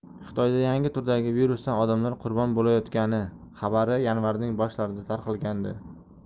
xitoyda yangi turdagi virusdan odamlar qurbon bo'layotgani xabari yanvarning boshlarida tarqalgandi